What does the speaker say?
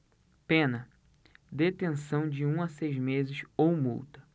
pena detenção de um a seis meses ou multa